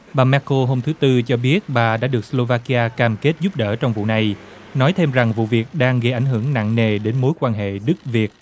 bà me cô hôm thứ tư cho biết bà đã được sờ lô va ki a cam kết giúp đỡ trong vụ này nói thêm rằng vụ việc đang gây ảnh hưởng nặng nề đến mối quan hệ đức việt